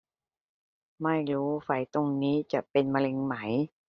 ไม่รู้ไฝตรงนี้จะเป็นมะเร็งไหม